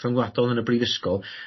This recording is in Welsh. rhyngwladol yn y brifysgol.